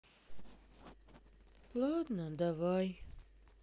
ладно давай